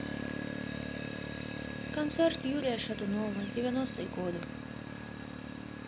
концерт юрия шатунова девяностые годы